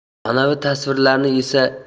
manavi tasvirlarni esa